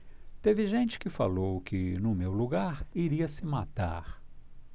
teve gente que falou que no meu lugar iria se matar